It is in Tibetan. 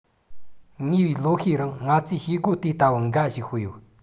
ཉེ བའི ལོ ཤས རིང ང ཚོས བྱེད སྒོ དེ ལྟ བུ འགའ ཞིག སྤེལ ཡོད